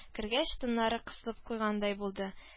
Кергәч, тыннары кысылып куйгандай булды